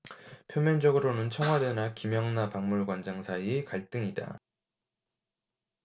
표면적으로는 청와대와 김영나 박물관장 사이의 갈등이다